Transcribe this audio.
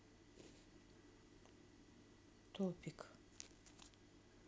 топик